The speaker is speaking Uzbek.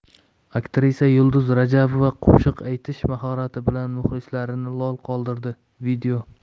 aktrisa yulduz rajabova qo'shiq aytish mahorati bilan muxlislarini lol qoldirdi video